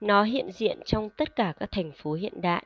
nó hiện diện trong tất cả các thành phố hiện đại